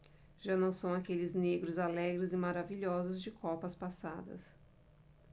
já não são aqueles negros alegres e maravilhosos de copas passadas